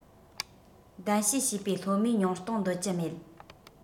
གདན ཞུས བྱས པའི སློབ མའི ཉུང གཏོང འདོད ཀྱི མེད